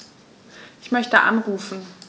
Ich möchte anrufen.